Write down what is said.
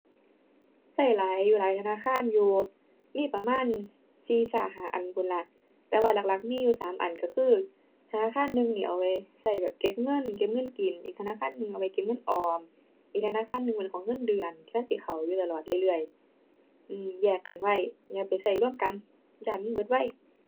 ใช้หลายอยู่ หลายธนาคารอยู่ มีประมาณสี่ซาห้าอันพู้นล่ะ แต่ว่าหลักหลักมีอยู่สามอันใช้คือ ธนาคารหนึ่งนี่เอาไว้ ใช้แบบเก็บเงิน เก็บเงินกิน อีกธนาคารหนึ่งเอาไว้เก็บเงินออม อีกธนาคารหนึ่งไว้ของเงินเดือน มันสิเข้าอยู่ตลอดเรื่อยเรื่อย อือ แยกกันไว้ อย่าไปใช้รวมกัน ย้านมันเบิดไว